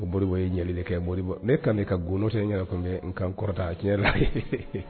Ko boliɔriwa ye ɲali kɛ ne ka ka gnɔ tɛ ɲɛna kun n ka kɔrɔta tiɲɛ